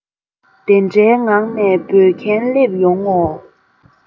དེ འདྲའི ངང ནས འབོད མཁན སླེབས ཡོང ངོ